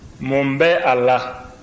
mun bɛ a la